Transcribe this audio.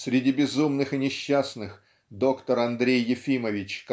среди безумных и несчастных доктор Андрей Ефимович